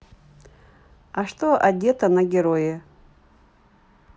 а что одета на герое